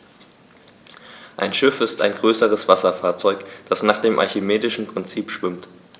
Ein Schiff ist ein größeres Wasserfahrzeug, das nach dem archimedischen Prinzip schwimmt.